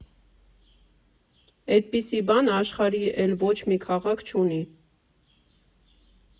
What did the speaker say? Էդպիսի բան աշխարհի էլ ոչ մի քաղաք չունի։